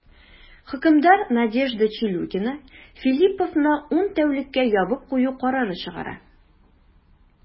Хөкемдар Надежда Чулюкина Филлиповны ун тәүлеккә ябып кую карары чыгара.